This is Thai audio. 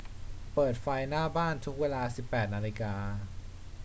เปิดไฟหน้าบ้านทุกเวลาสิบแปดนาฬิกา